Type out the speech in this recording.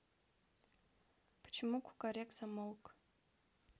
почему кукарек замолк